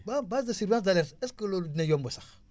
waa base de surveillance d' alerte est ce que loolu dina yomb sax